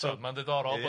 ti'bod mae'n ddiddorol